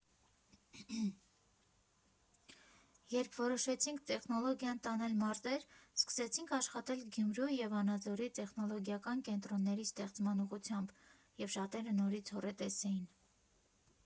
«Երբ որոշեցինք տեխնոլոգիան տանել մարզեր, սկսեցինք աշխատել Գյումրու ու Վանաձորի տեխնոլոգիական կենտրոնների ստեղծման ուղղությամբ, և շատերը նորից հոռետես էին։